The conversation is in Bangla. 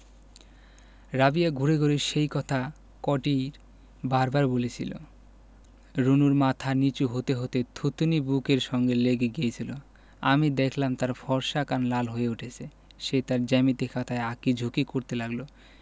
রাবেয়া ঘুরে ঘুরে সেই কথা কটিই বার বার বলছিলো রুনুর মাথা নীচু হতে হতে থুতনি বুকের সঙ্গে লেগে গিয়েছিলো আমি দেখলাম তার ফর্সা কান লাল হয়ে উঠছে সে তার জ্যামিতি খাতায় আঁকি ঝুকি করতে লাগলো